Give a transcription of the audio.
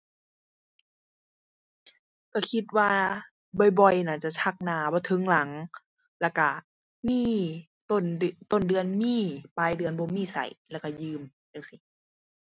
ก็คิดว่าบ่อยบ่อยน่าจะชักหน้าบ่ถึงหลัง แล้วก็มีต้นเดือ ต้นเดือนมี ปลายเดือนบ่มีก็ แล้วก็ยืมจั่งซี้